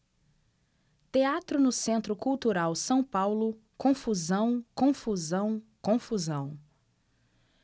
teatro no centro cultural são paulo confusão confusão confusão